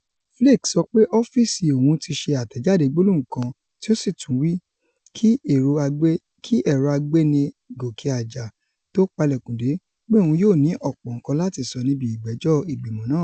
Flake sọ pé ọ́fíìsí òun ti ṣe àtẹ̀jáde gbólóhùn kan tí ó sì tún wí, kí ẹ̀rọ agbénigòkè-àjà tó palẹ̀kùndé, pé òun yóò ní ọ̀pọ̀ nǹkan láti sọ níbi ìgbẹ́jọ́ ìgbìmọ̀ náà.